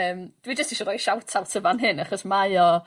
yym dw i jyst isio roi shout out fan hyn* achos mae o....